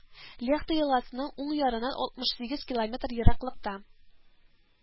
Лехта елгасының уң ярыннан алтмыш сигез километр ераклыкта